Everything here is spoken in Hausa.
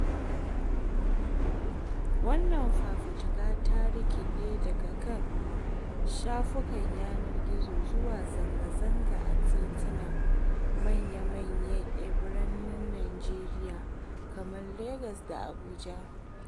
Wannan fafutuka ta rikiɗe daga kan shafukan yanar gizo zuwa zanga-zanga a titinan manyan biranen Nijeriya kamar Legas da Abuja.